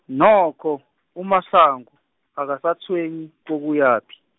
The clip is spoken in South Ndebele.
nokho uMasango, akasatshwenyi kokuyaphi.